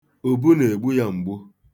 Ubu na-egbu ya mgbu.